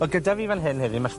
Wel gyda fi fan hyn, heddiw ma'...